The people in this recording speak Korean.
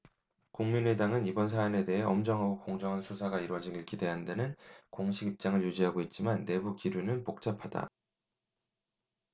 국민의당은 이번 사안에 대해 엄정하고 공정한 수사가 이뤄지길 기대한다는 공식 입장을 유지하고 있지만 내부 기류는 복잡하다